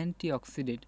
anti oxidant